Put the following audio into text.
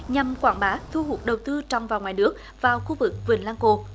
nhằm quảng bá thu hút đầu tư trong và ngoài nước vào khu vực vịnh lăng cô